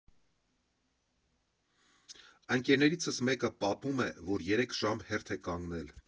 Ընկերնիցս մեկը պատմում է, որ երեք ժամ հերթ է կանգնել։